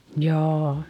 jaa